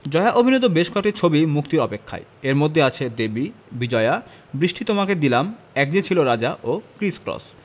জয়া অভিনীত বেশ কয়েকটি ছবি মুক্তির অপেক্ষায় এর মধ্যে আছে দেবী বিজয়া বৃষ্টি তোমাকে দিলাম এক যে ছিল রাজা ও ক্রিস ক্রস